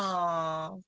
O!